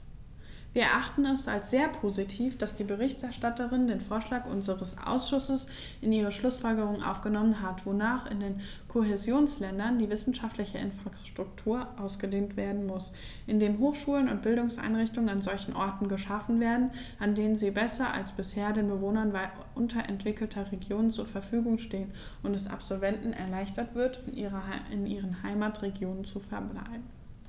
Wir erachten es als sehr positiv, dass die Berichterstatterin den Vorschlag unseres Ausschusses in ihre Schlußfolgerungen aufgenommen hat, wonach in den Kohäsionsländern die wissenschaftliche Infrastruktur ausgedehnt werden muss, indem Hochschulen und Bildungseinrichtungen an solchen Orten geschaffen werden, an denen sie besser als bisher den Bewohnern unterentwickelter Regionen zur Verfügung stehen, und es Absolventen erleichtert wird, in ihren Heimatregionen zu verbleiben.